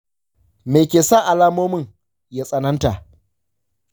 me ke sa alamomin ya tsananta?